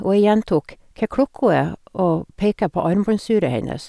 og pekte på armbåndsuret hennes.